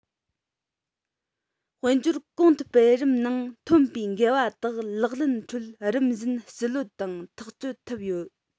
དཔལ འབྱོར གོང དུ སྤེལ རིམ ནང ཐོན པའི འགལ བ དག ལག ལེན ཁྲོད རིམ བཞིན ཞི ལྷོད དང ཐག གཅོད ཐུབ ཡོད